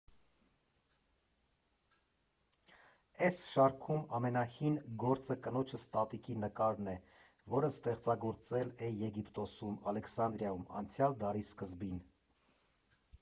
Էս շարքում ամենահին գործը կնոջս տատիկի նկարն է, որն ստեղծագործել է Եգիպտոսում՝ Ալեքսանդրիայում, անցյալ դարի սկզբին։